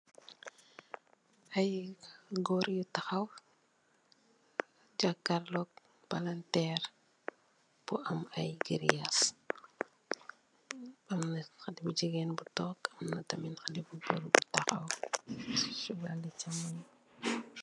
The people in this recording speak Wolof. Ay goor yu taxaw jakarlo palanterr bu am ay geriyass amna xale bu jigeen bu tog amna tamit xale bu góor bu tawax si walum cxamun bi.